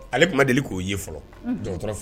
Ale kuma deli k'o ye fɔlɔ jɔn fɛ